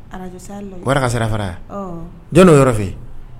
Radio sahel la wara ka sira fara , ɔɔ, Jɔnni ye o yɔrɔ. fɔ e ye?